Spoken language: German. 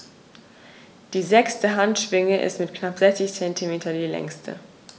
Die sechste Handschwinge ist mit knapp 60 cm die längste.